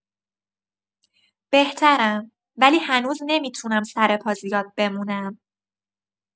بهترم، ولی هنوز نمی‌تونم سرپا زیاد بمونم.